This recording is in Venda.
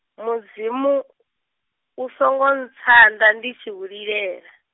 Mudzimu, u songo ntsanda ndi tshi u lilela.